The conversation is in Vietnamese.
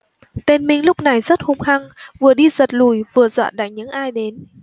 tên minh lúc này rất hung hăng vừa đi giật lùi vừa dọa đánh những ai đến